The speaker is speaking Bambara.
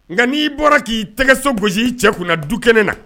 Nka n'i bɔra k'i tɛgɛso gosi i cɛ kun na du kɛnɛ na